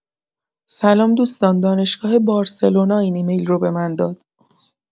سلام دوستان دانشگاه بارسلونا این ایمیل رو به من داد.